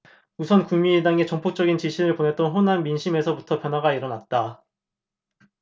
우선 국민의당에 전폭적인 지지를 보냈던 호남 민심에서부터 변화가 일어났다